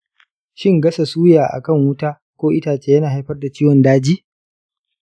shin gasa suya a kan wuta ko itace yana haifar da ciwon daji?